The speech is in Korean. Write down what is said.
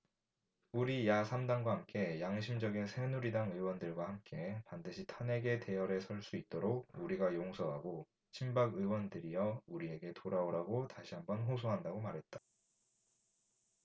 우리 야 삼 당과 함께 양심적인 새누리당 의원들과 함께 반드시 탄핵에 대열에 설 수 있도록 우리가 용서하고 친박 의원들이여 우리에게 돌아오라고 다시 한 번 호소한다고 말했다